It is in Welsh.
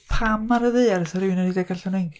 Pam ar y ddaear 'sa rywun yn rhedeg allan o inc?